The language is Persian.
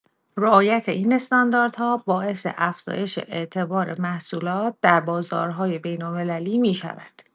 رعایت این استانداردها باعث افزایش اعتبار محصولات در بازارهای بین‌المللی می‌شود.